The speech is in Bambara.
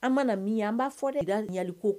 An' mana min ye an' b'a fɔ dɛ tiga ɲaliko